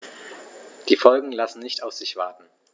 Die Folgen lassen nicht auf sich warten.